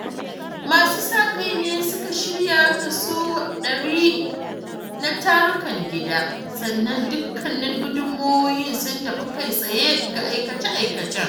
Masu sa kai ne suka shirya kaso 100% tarukan gida, sannan dukkanin gudunmawoyin sun tafi kai-tsaye ga aikace-aikacen.